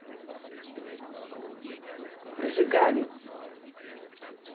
прожигали